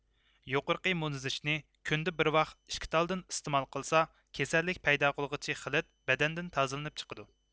يۇقىرىقى مۇنىزچنى كۈندە بىر ۋاخ ئىككى تالدىن ئىستېمال قىلسا كېسەللىك پەيدا قىلغۇچى خىلىت بەدەندىن تازىلىنىپ چىقىدۇ